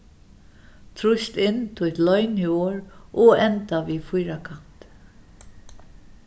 trýst inn títt loyniorð og enda við fýrakanti